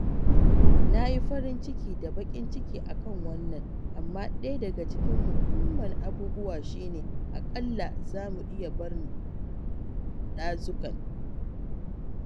Na yi farin ciki da baƙin ciki a kan wannan, amma ɗaya daga cikin muhimman abubuwa shi ne, aƙalla za mu iya barin dazukan.